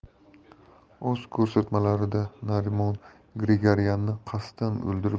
o'z ko'rsatmalarida narimon grigoryanni qasddan o'ldirib